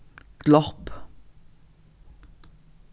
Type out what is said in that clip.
glopp